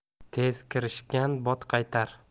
tez kirishgan bot qaytar